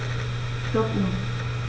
Stoppuhr.